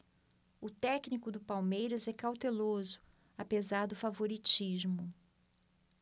o técnico do palmeiras é cauteloso apesar do favoritismo